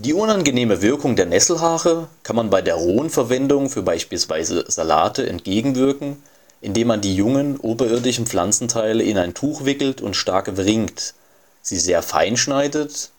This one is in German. unangenehmen Wirkung der Nesselhaare kann man bei der rohen Verwendung für beispielsweise Salate entgegenwirken, indem man die jungen oberirdischen Pflanzenteile in ein Tuch wickelt und stark wringt, sie sehr fein schneidet